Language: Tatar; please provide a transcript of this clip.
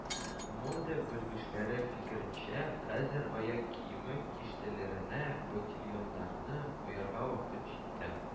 Моде белгечләре фикеренчә, хәзер аяк киеме киштәләренә ботильоннарны куярга вакыт җитте